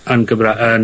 yn Gymra- yn...